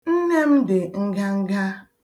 Nne m dị nganga.